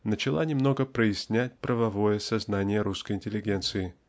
начала немного прояснять правовое сознание русской интеллигенции.